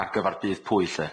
ar gyfar budd pwy lly?